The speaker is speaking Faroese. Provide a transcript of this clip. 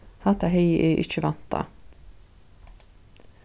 hatta hevði eg ikki væntað